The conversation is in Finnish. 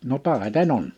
no taiten on